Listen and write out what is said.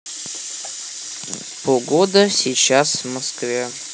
погода сейчас в москве